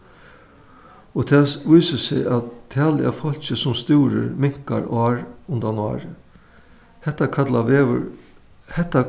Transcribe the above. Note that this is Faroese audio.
og tað vísir seg at talið av fólki sum stúrir minkar ár undan ári hetta kalla veður hetta